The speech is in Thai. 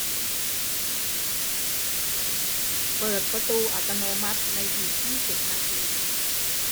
เปิดประตูอัตโนมัติในอีกยี่สิบนาที